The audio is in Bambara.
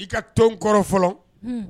I ka ton n kɔrɔ fɔlɔ; un.